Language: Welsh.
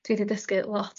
Dwi 'di dysgu lot